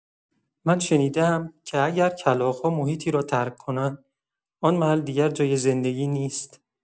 من شنیده‌ام که اگر کلاغ‌ها محیطی را ترک کنند، آن محل دیگر جای زندگی نیست.